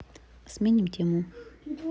сменим тему